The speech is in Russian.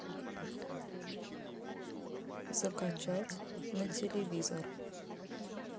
закачать на телевизор